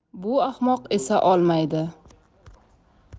bu ahmoq esa olmaydi